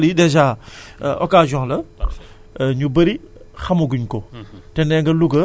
waa léegi kii nu mu tudd ablaye xam nga lii dèjà occasion la